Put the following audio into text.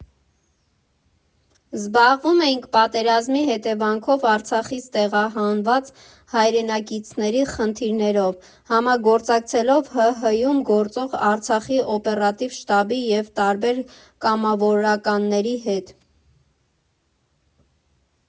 Զբաղվում էինք պատերազմի հետևանքով Արցախից տեղահանված հայրենակիցների խնդիրներով՝ համագործակցելով ՀՀ֊ում գործող Արցախի օպերատիվ շտաբի և տարբեր կամավորականների հետ։